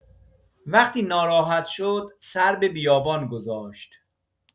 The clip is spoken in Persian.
وقتی ناراحت شد سر به بیابان گذاشت.